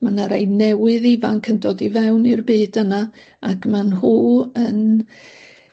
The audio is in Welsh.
ma' 'na rei newydd ifanc yn dod i fewn i'r byd yna ac ma' nhw yn